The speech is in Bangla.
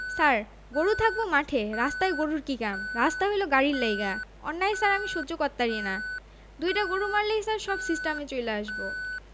ছার গরু থাকবো মাঠে রাস্তায় গরুর কি কাম রাস্তা হইলো গাড়ির লাইগা অন্যায় ছার আমি সহ্য করতারিনা দুইডা গরু মারলেই ছার সব সিস্টামে চইলা আসবো